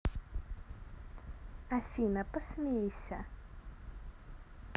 афина посмейся